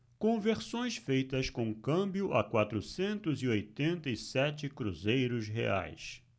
conversões feitas com câmbio a quatrocentos e oitenta e sete cruzeiros reais